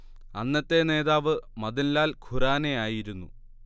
അന്നത്തെ നേതാവ് മദൻ ലാൽ ഖുറാന ആയിരുന്നു